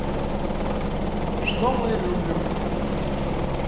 что мы любим